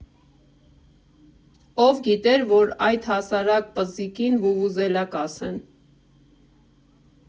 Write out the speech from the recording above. Ո՞վ գիտեր, որ այդ հասարակ պզիկին վուվուզելա կասեն։